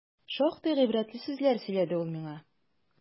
Шактый гыйбрәтле сүзләр сөйләде ул миңа.